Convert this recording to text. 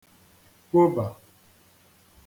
kwobà